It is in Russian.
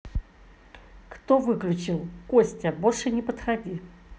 кто выключил костя больше не подходи